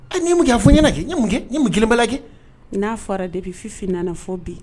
A ni ye mun kɛ a fɔ ɲɛna kɛ, n' ye mun kɛ, n' ye mun jidon baliya kɛ, n'a fɔra depuis Fifi nana fɔ bi